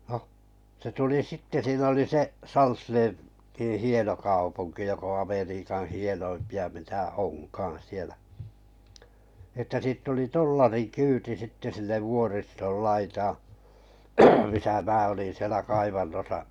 no se tuli sitten siinä oli se - Salsleetin hieno kaupunki joka on Amerikan hienoimpia mitä onkaan siellä että siitä oli dollarikyyti sitten sille vuoriston laitaan missä minä olin siellä kaivannossa